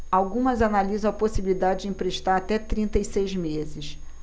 algumas analisam a possibilidade de emprestar até trinta e seis meses